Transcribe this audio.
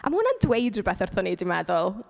A ma' hwnna'n dweud rhywbeth wrthon ni, dwi'n meddwl.